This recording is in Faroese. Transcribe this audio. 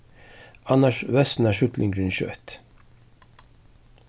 annars versnar sjúklingurin skjótt